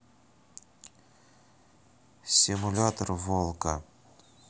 симулятор волка